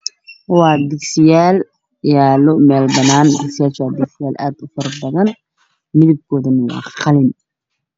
Halkaan waxaa ka muuqdo baaquli qalin ah oo dhexda oga dhegan warqad yar oo madaw